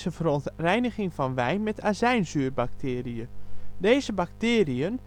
verontreiniging van wijn met azijnzuurbacteriën. Deze bacteriën